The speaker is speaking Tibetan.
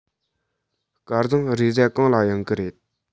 སྐལ བཟང རེས གཟའ གང ལ ཡོང གི རེད